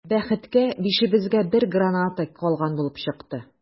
Бәхеткә, бишебезгә бер граната калган булып чыкты.